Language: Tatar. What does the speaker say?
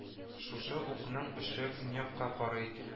Шушы укның очы көнъякка карый